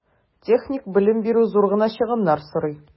Техник белем бирү зур гына чыгымнар сорый.